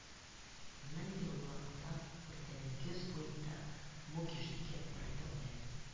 Мең еллыкта урта диңгез буенда мукиш дигән бер дәүләт